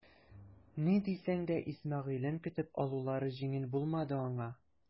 Ни дисәң дә Исмәгыйлен көтеп алулары җиңел булмады аңа.